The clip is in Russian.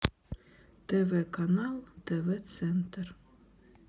тв канал тв центр